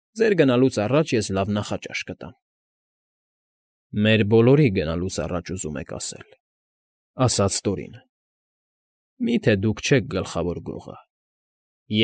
Ձեր գնալուց առաջ ես լավ նախաճաշ կտամ։ ֊ Մեր բոլորի գնալուց առաջ, ուզում եք ասել, ֊ ասաց Տորինը։ ֊ Մի՞թե դուք չեք Գլխավոր Գողը։